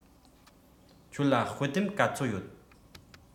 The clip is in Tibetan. ཁྱོད ལ དཔེ དེབ ག ཚོད ཡོད